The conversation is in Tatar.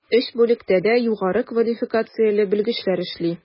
Өч бүлектә дә югары квалификацияле белгечләр эшли.